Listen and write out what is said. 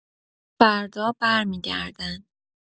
فردا برمی‌گردن